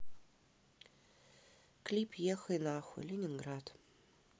клип ехай на хуй ленинград